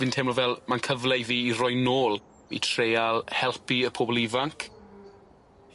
Fi'n teimlo fel mae'n cyfle i fi i roi nôl i treial helpu y pobol ifanc.